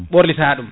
ɓorlita ɗum